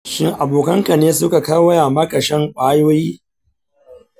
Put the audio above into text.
shin abokanka ne suka koya maka shan ƙwayoyi?